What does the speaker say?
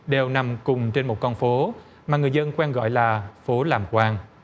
đều nằm cùng trên một con phố mà người dân quen gọi là phố làm quan